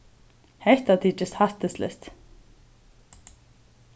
hetta tykist hættisligt